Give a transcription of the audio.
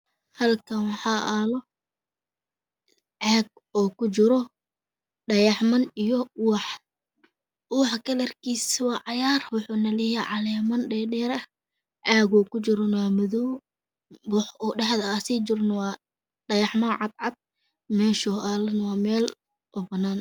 Halkan waxa yalo cagkujira dhagxman iyo uwax uwaxa kalarkiisa waa cagar wuxuleyahay caleman dhadheer caga kujira nawaamadow waxa dhaxda ugu sijirana dhagax man cadcad masha uyalan wamelbanan